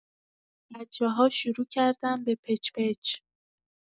بچه‌ها شروع‌کردن به پچ‌پچ.